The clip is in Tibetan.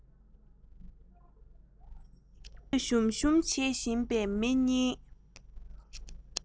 གུས གུས ཞུམ ཞུམ བྱེད བཞིན པའི མི གཉིས